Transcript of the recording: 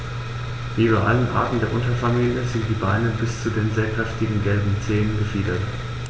Wie bei allen Arten der Unterfamilie sind die Beine bis zu den sehr kräftigen gelben Zehen befiedert.